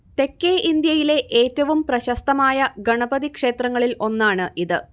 തെക്കേ ഇന്ത്യയിലെ ഏറ്റവും പ്രശസ്തമായ ഗണപതി ക്ഷേത്രങ്ങളിൽ ഒന്നാണ് ഇത്